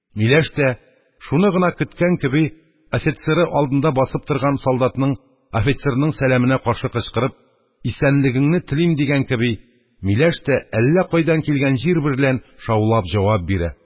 Миләш тә, шуны гына көткән кеби, офицеры алдында басып тора торган солдатның офицерының сәламенә каршы кычкырып: «Исәнлегеңне телим!» – дигән кеби, миләш тә әллә кайдан килгән җил берлән шаулап җавап бирә;